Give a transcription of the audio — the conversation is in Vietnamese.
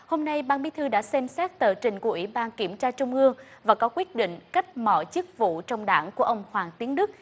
hôm nay ban bí thư đã xem xét tờ trình của ủy ban kiểm tra trung ương và có quyết định cách mọi chức vụ trong đảng của ông hoàng tiến đức